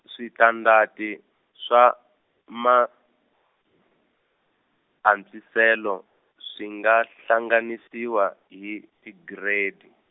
switandati swa maantswisele swi nga hlanganisiwa hi tigiredi.